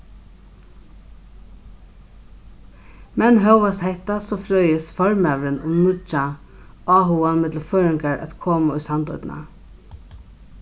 men hóast hetta so frøist formaðurin um nýggja áhugan millum føroyingar at koma í sandoynna